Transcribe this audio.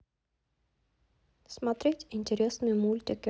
смотреть интересные мультики